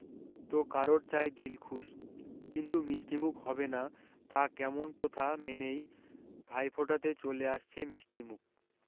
তো কারোর চাই দিলখুশ কিন্তু মিষ্টিমুখ হবে না তা কেমন প্রথা মেনেই ভাইফোঁটাতে চলে আসছে মিষ্টি মুখ